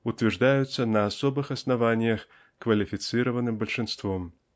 утверждаются на особых основаниях квалифицированным большинством.